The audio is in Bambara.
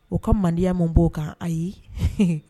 O ka mandeya man b'o kan ayi